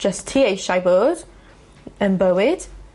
jyst ti eisiau fod yn bywyd